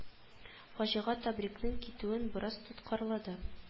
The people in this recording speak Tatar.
Фаҗига тәбрикнең китүен бераз тоткарлады